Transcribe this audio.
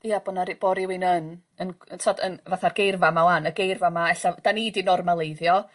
...ia bo' 'na r- bo' rywun yn yn t'od yn fatha'r geirfa 'ma wan y geirfa 'ma ella 'dan ni 'di normaleiddio...